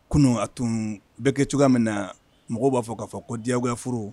Kunun a tun bɛ kɛ cogoya min na mɔgɔw b'a fɔ k'a fɔ ko diyagoya furu